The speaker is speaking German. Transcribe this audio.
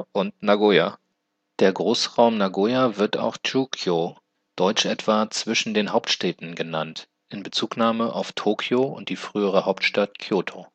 und 名護屋. Der Großraum um Nagoya wird auch Chūkyō (中京, dt. etwa: „ zwischen den Hauptstädten “) genannt, in Bezugnahme auf Tokio und die frühere Hauptstadt Kyōto